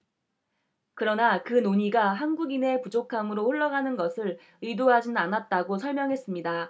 그러나 그 논의가 한국인의 부족함으로 흘러가는 것을 의도하진 않았다고 설명했습니다